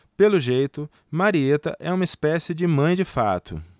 pelo jeito marieta é uma espécie de mãe de fato